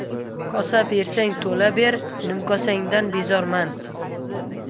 kosa bersang to'la ber nimkosangdan bezorman